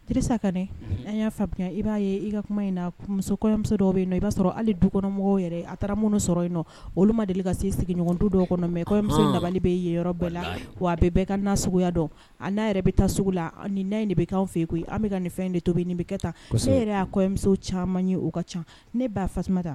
Kisa ka an y'a faamuya i b'a ye i ka kuma in namuso dɔw i b'a sɔrɔ hali dukɔnɔmɔgɔw yɛrɛ a taara minnu sɔrɔ yen olu ma deli ka se sigiɲɔgɔn du dɔw kɔnɔ mɛ kɔɲɔmuso dabali' yen yɔrɔ bɛɛ la wa a bɛɛ bɛɛ ka na suguya dɔn a n'a yɛrɛ bɛ taa sugu la ni in de bɛ kɛ fɛ koyi an bɛka ka nin fɛn de to bɛ nin bɛ kɛ taa so yɛrɛ' kɔmuso caman ye u ka ca ne b'a fa ta